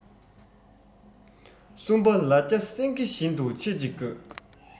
གསུམ པ ལ རྒྱ སེངྒེ བཞིན དུ ཆེ གཅིག དགོས